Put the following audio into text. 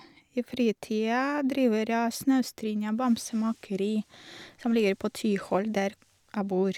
I fritida driver jeg Snaustrinda Bamsemakeri, som ligger på Tyholt, der jeg bor.